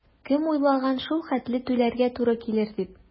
Кем уйлаган шул хәтле түләргә туры килер дип?